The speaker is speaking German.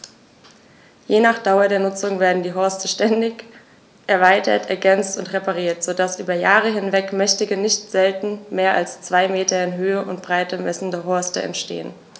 Je nach Dauer der Nutzung werden die Horste ständig erweitert, ergänzt und repariert, so dass über Jahre hinweg mächtige, nicht selten mehr als zwei Meter in Höhe und Breite messende Horste entstehen.